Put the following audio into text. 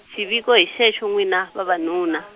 xiviko hi xexo n'wina, vavanuna.